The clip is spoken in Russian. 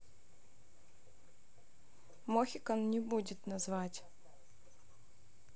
mohikan на будет назвать